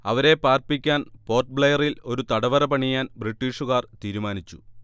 അവരെ പാർപ്പിക്കാൻ പോർട്ട് ബ്ലെയറിൽ ഒരു തടവറ പണിയാൻ ബ്രിട്ടീഷുകാർ തീരുമാനിച്ചു